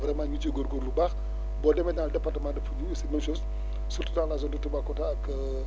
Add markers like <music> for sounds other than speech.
vraiment ñu ngi ciy góorgóorlu bu baax boo demee dans le département de Foundiougne aussi même chose <breath> surtout dans la zone de Toubacouta ak <hesitation>